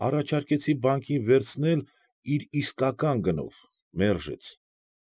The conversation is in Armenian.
Առաջարկեցի բանկին վերցնել իր իսկական գնով՝ մերժեց։